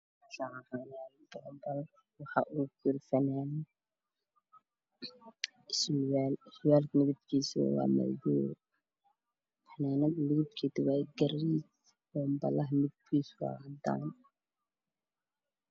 Mashan waxaa yalo bobilo waxaa ugu jiro fananad iyo sarwal kalar kode waa madow iyo garay